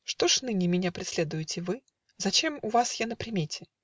Что ж ныне Меня преследуете вы? Зачем у вас я на примете?